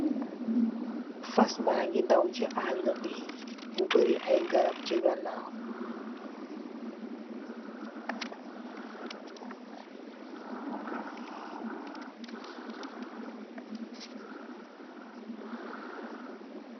Fass bangy daw chi aaalue bii, bu bari aiiy garab chii ganaw.